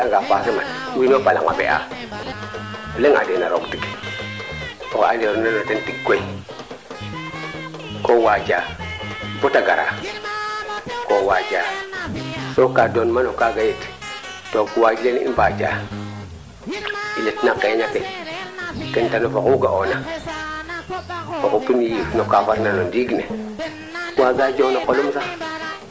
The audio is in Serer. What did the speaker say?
im leya na nuun mene xaye ga'a ax paax tena ngeeka ax paax ax paax dena ngeeka ax paax koy mu soɓa noona rek faleyoo ax paax nu nana nga im leya nuun ne tena geeka ax paax bo refoona o kiin to faño nan nena mi refo kiino cofu o kino labiru